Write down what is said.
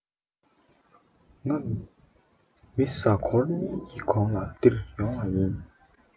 ང མི གཟའ ཁོར གཉིས ཀྱི གོང ལ འདིར ཡོང བ ཡིན